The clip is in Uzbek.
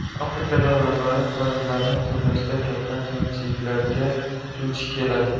afrika davlatlari qarzlarni to'lashda katta qiyinchiliklarga duch keladi